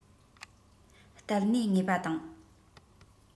གཏད གནས ངེས པ དང